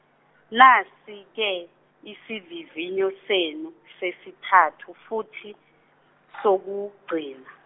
nasi ke isivivinyo senu sesithathu futhi sokugcina.